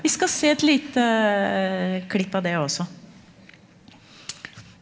vi skal se et lite klipp av det også.